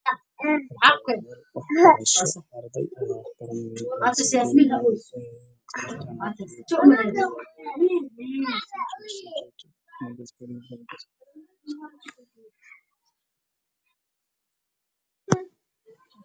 Meeshaan waxaa fadhida naag waxa ay wadataa dhulkii hore iyo garbasaar qaxwi ah waxaa horyaalaa miisaaran yihiin watero iyo buugaag ee gacanta ku haysaa qalin caana ka dambeeyay nin wataqan isbuuc hooyo